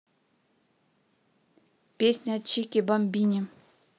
песня чикибамбони